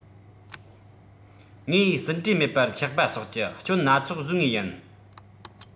ངའི ཟིན བྲིས མེད པར ཆགས པ སོགས ཀྱི སྐྱོན སྣ ཚོགས བཟོས ངེས ཡིན